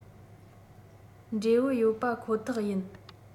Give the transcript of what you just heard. འབྲས བུ ཡོད པ ཁོ ཐག ཡིན